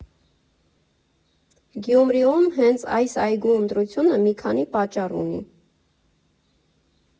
Գյումրիում հենց այս այգու ընտրությունը մի քանի պատճառ ունի։